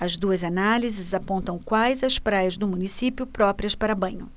as duas análises apontam quais as praias do município próprias para banho